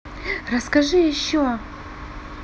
расскажи еще